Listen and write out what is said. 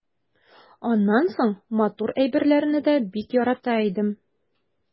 Аннан соң матур әйберләрне дә бик ярата идем.